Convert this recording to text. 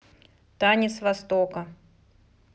танец востока